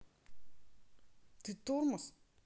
ты тормоз